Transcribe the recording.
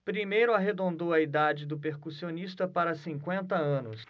primeiro arredondou a idade do percussionista para cinquenta anos